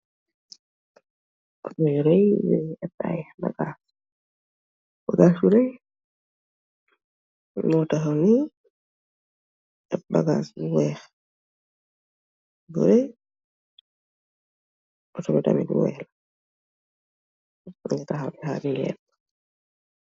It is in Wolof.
Bagas bu wekh auto bu tahaw defa ler.